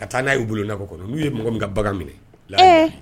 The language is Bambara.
Ka taa n'a'u bolola kɔnɔ n'u ye mɔgɔ min ka bagan minɛ